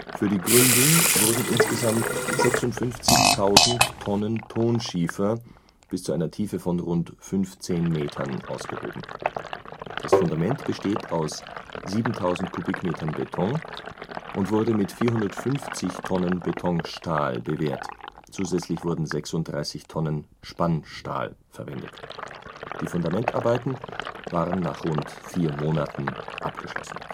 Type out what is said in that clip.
Für die Gründung wurden insgesamt 56.000 Tonnen Tonschiefer bis zu einer Tiefe von rund 15 Metern ausgehoben. Das Fundament besteht aus 7000 Kubikmetern Beton und wurde mit 450 Tonnen Betonstahl bewehrt. Zusätzlich wurden 36 Tonnen Spannstahl verwendet. Die Fundamentarbeiten waren nach rund vier Monaten abgeschlossen